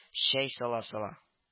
Чәй сала-сала